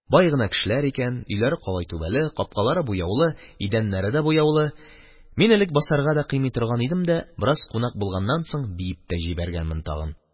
Бай гына кешеләр икән, өйләре калай түбәле, капкалары буяулы, идәннәре дә буяулы, – мин элек басарга да кыймый торган идем дә, бераз кунак булганнан соң биеп тә җибәргәнмен тагын.